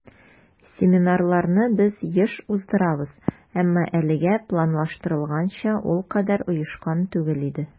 Семинарларны без еш уздырабыз, әмма әлегә планлаштырылганча ул кадәр оешкан түгел иде.